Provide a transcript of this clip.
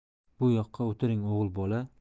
bu yoqqa o'tiring o'g'il bola